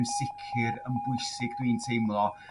yn sicr yn bwysig dwi'n teimlo